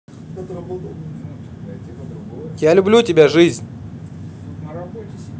я люблю тебя жизнь